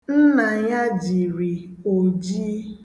Nna ya jiri oji.